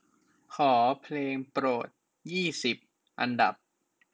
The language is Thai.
ขอเพลงโปรดยี่สิบอันดับ